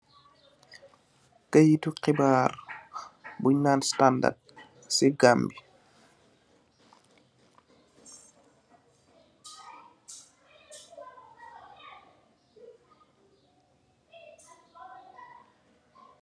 Keitu khibarr bungh nan standard cii gambie.